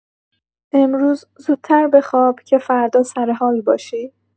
امروز زودتر بخواب که فردا سرحال باشی